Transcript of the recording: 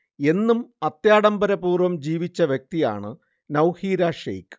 എന്നും അത്യാഢംബര പൂർവ്വം ജീവിച്ച വ്യക്തിയാണ് നൗഹീര ഷേയ്ഖ്